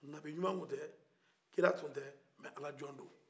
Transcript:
nabiɲuma tun tɛ kira tun tɛ alajɔn don